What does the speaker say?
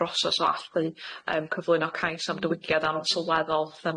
broses o allu yym cyflwyno cais am ddiwygiad amsylweddol 'sa